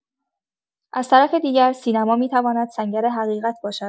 از طرف دیگر، سینما می‌تواند سنگر حقیقت باشد.